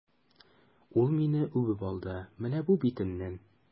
Ул мине үбеп алды, менә бу битемнән!